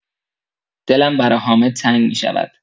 دلم برا حامد تنگ می‌شود!